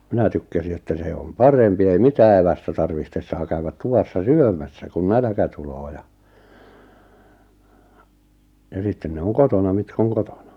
minä tykkäsin että se on parempi ei mitään evästä tarvitse saa käydä tuvassa syömässä kun nälkä tulee ja ja sitten ne on kotona mitkä on kotona